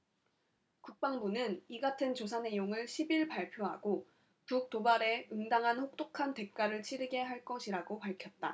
국방부는 이 같은 조사내용을 십 일 발표하고 북 도발에 응당한 혹독한 대가를 치르게 할 것이라고 밝혔다